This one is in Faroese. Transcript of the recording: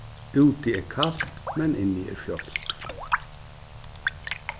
úti er kalt men inni er fjálgt